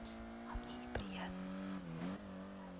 а мне неприятно